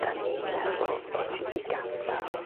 'Dan ni meddwl bod hi 'di gadal...